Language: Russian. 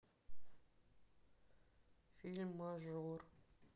фильм мажор